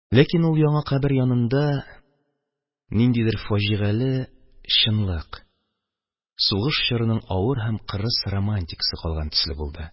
Ләкин ул яңа кабер янында ниндидер фаҗигале чынлык, сугыш чорының авыр һәм кырыс романтикасы калган төсле булды,